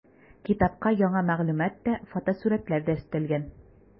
Китапка яңа мәгълүмат та, фотосурәтләр дә өстәлгән.